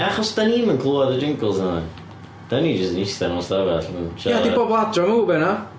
Achos dan ni'm yn clywed y jingles nadan. Dan ni jyst yn ista mewn ystafell yn siarad... Ie, 'di pobl adra ddim yn gwbod hynna.